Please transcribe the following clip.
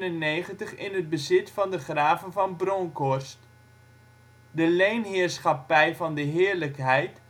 1397 in het bezit van de graven van Bronkhorst. De leenheer­schappij van de heerlijkheid